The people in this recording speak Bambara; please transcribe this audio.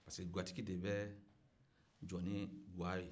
parce que gatigi de be jɔ nin ga ye